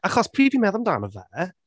Achos pryd fi’n meddwl amdano fe...